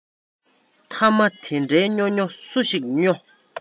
ཐ མ དེ འདྲའི སྨྱོ སྨྱོ སུ ཞིག སྨྱོ